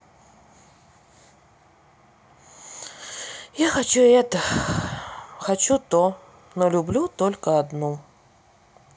я хочу это хочу то но люблю только одну